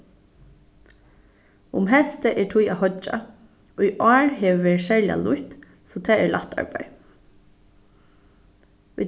um heystið er tíð at hoyggja í ár hevur verið serliga lýtt so tað er lætt arbeiði